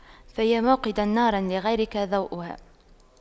فيا موقدا نارا لغيرك ضوؤها